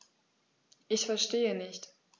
Ich verstehe nicht.